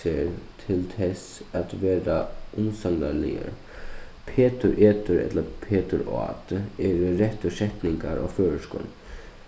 sær til tess at vera umsagnarliður petur etur ella petur át eru rættir setningar á føroyskum